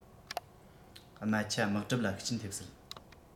སྨད ཆ དམག གྲབས ལ ཤུགས རྐྱེན ཐེབས སྲིད